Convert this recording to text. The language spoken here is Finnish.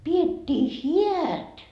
pidettiin häät